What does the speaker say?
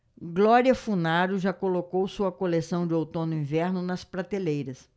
glória funaro já colocou sua coleção de outono-inverno nas prateleiras